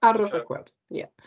Aros a gweld ia.